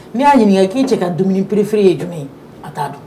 N'i'a ɲininka k'i cɛ ka dumuni perefiereri ye jumɛn ye a t'a dɔn